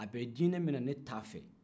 a bɛ dinɛ min na ne ta fɛ